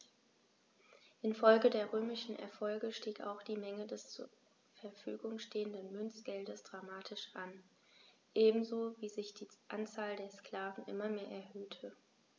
Infolge der römischen Erfolge stieg auch die Menge des zur Verfügung stehenden Münzgeldes dramatisch an, ebenso wie sich die Anzahl der Sklaven immer mehr erhöhte.